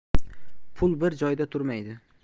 pul bir joyda turmaydi